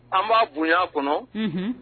An b'a bonya kɔnɔ